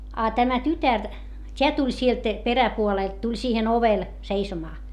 a tämä tytär tämä tuli sieltä peräpuolelta tuli siihen ovelle seisomaan